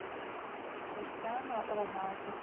криштиану роналду